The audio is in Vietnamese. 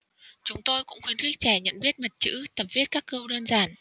chúng tôi cũng khuyến khích trẻ nhận biết mặt chữ tập viết các câu đơn giản